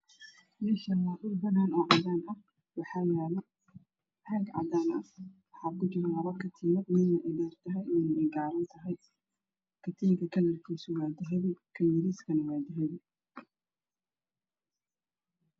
Meshan wa dhul banan ah oo cadan ah waxa yalo caag cadan ah waxa kujiro lado katiin oo midna eey gabantahay midna eey dheertahay katinka kalarkis waa dahbi kan yarisan waa dahbi